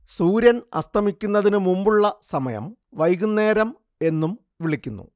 സൂര്യൻ അസ്തമിക്കുന്നതിന് മുമ്പുള്ള സമയം വൈകുന്നേരം എന്നും വിളിക്കുന്നു